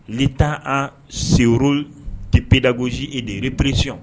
L'Etat a ce role de pédagogie et de répression